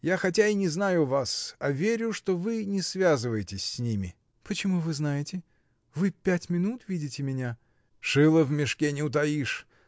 Я хотя и не знаю вас, а верю, что вы не связываетесь с ними. — Почему вы знаете? вы пять минут видите меня. — Шила в мешке не утаишь.